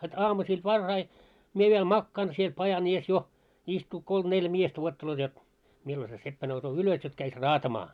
heti aamusella varhain minä vielä makaan siellä pajan edessä jo istuu kolme neljä miestä odottelevat jotta milloin se seppä nousee ylös jotta kävisi raatamaan